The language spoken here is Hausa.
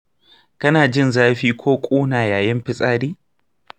kana jin zafi ko ƙuna yayin fitsari?